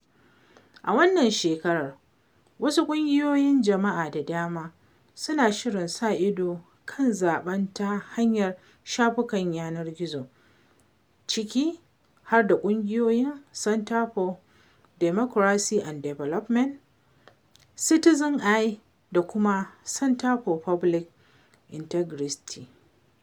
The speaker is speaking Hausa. A wannan shekarar, wasu ƙungiyoyin jama'a da dama suna shirin sa ido kan zaɓen ta hanyar shafukan yanar gizo, ciki har da ƙungiyoyin Center for Democracy and Development, Citizen's Eye, da kuma Center for Public Integrity.